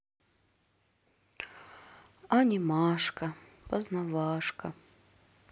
анимашка познавашка